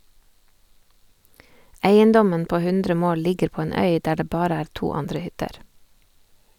Eiendommen på 100 mål ligger på en øy, der det bare er to andre hytter.